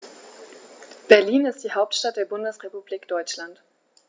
Berlin ist die Hauptstadt der Bundesrepublik Deutschland.